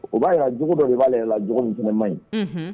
O b'a jira jogo dɔ de b'ale yɛrɛ la jogo min fɛnɛn man ɲi.